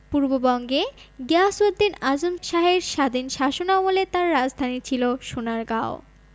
পূর্ববঙ্গে গিয়াসুদ্দীন আযম শাহের স্বাধীন শাসনামলে তাঁর রাজধানী ছিল সোনারগাঁও